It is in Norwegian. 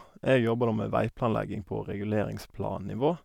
Jeg jobber da med veiplanlegging på reguleringsplan-nivå.